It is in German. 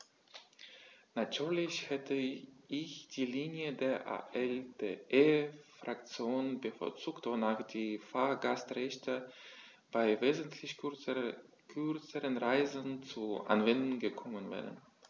Natürlich hätte ich die Linie der ALDE-Fraktion bevorzugt, wonach die Fahrgastrechte bei wesentlich kürzeren Reisen zur Anwendung gekommen wären.